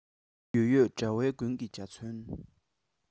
ཡོད ཡོད འདྲ བའི དགུང གི འཇའ ཚོན